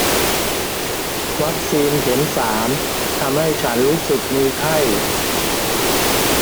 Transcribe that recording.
วัคซีนเข็มสามทำให้ฉันรู้สึกมีไข้